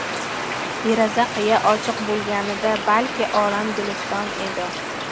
deraza qiya ochiq bo'lganida balki olam guliston edi